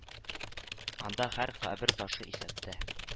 Анда һәр кабер ташы исәптә